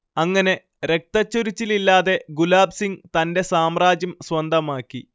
അങ്ങനെ രക്തച്ചൊരിച്ചിലില്ലാതെ ഗുലാബ് സിങ് തന്റെ സാമ്രാജ്യം സ്വന്തമാക്കി